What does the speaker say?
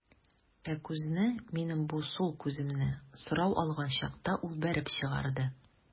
Ә күзне, минем бу сул күземне, сорау алган чакта ул бәреп чыгарды.